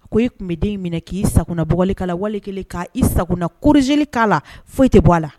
Ko i tun bɛ den in minɛ k'i sa bɔgɔlikala la wale kelen k' i sa kuruzeeli k'a la foyi tɛ bɔ a la